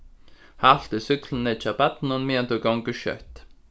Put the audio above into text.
halt í súkkluni hjá barninum meðan tú gongur skjótt